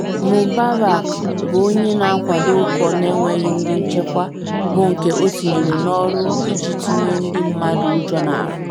Mubaraka bụ onye na-akwado ụkọ na enweghi ndị nchekwa bụ nke o tinyere n'ọrụ iji tinye ndị mmadụ ụjọ n'ahụ. #Jan25.